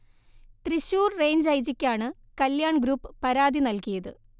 Thrissur range ഐ ജിക്കാണ് Kalyan group പരാതി നൽകിയത്